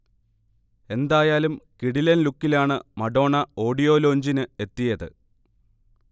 എന്തായാലും കിടിലൻ ലുക്കിലാണ് മഡോണ ഓഡിയോ ലോഞ്ചിന് എത്തിയത്